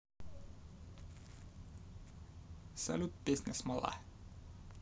салют песня смола